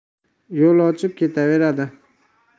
yo'l ochib ketaveradi